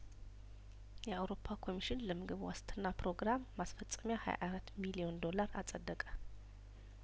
የአውሮፓ ኮሚሽን ለምግብ ዋስትና ፕሮግራም ማስፈጸሚያሀያአራት ሚሊዮን ዶላር አጸደቀ